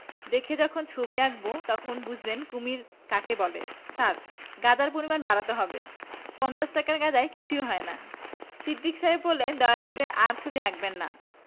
দেখে যখন ছবি আঁকব তখন বুঝবেন কুমীর কাকে বলে স্যার গাঁজার পরিমাণ বাড়াতে হবে পঞ্চাশ টাকার গাজায় কিছুই হয় না সিদ্দিক সাহেব বললেন দয়া করে আর ছবি আঁকবেন না